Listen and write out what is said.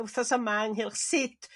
w'thnos yma ynghylch sud